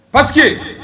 Pa